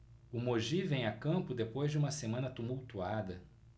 o mogi vem a campo depois de uma semana tumultuada